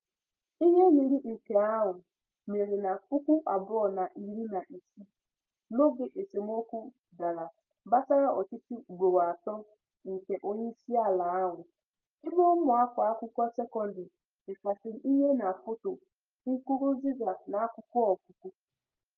Ihe yiri nke ahụ mere na 2016, n'oge esemokwu dara gbasara ọchịchị ugboro atọ nke onyeisiala ahụ, ebe ụmụakwụkwọ sekọndrị dekasiri ihe na foto Nkurunziza n'akwụkwọ ọgụgụ.